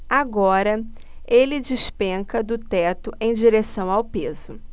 agora ele despenca do teto em direção ao piso